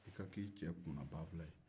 i ka k'i cɛ kunna banfula ye